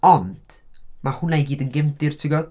Ond mae hwnna i gyd yn gefndir ti'n gwybod.